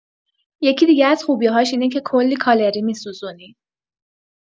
یکی دیگه از خوبی‌هاش اینه که کلی کالری می‌سوزونی!